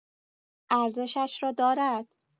ارزشش را دارد؟